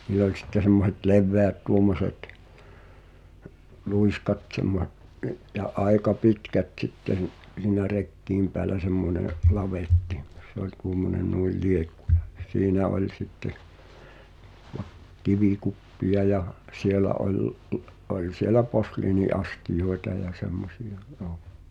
niillä oli sitten semmoiset leveät tuommoiset luiskat -- ja aika pitkät sitten siinä rekien päällä semmoinen lavetti se oli tuommoinen noin liekku ja siinä oli sitten - kivikuppeja ja siellä oli oli siellä posliiniastioita ja semmoisia joo